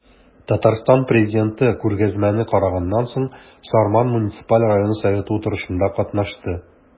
Татарстан Президенты күргәзмәне караганнан соң, Сарман муниципаль районы советы утырышында катнашты.